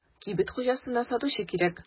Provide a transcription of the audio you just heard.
Кибет хуҗасына сатучы кирәк.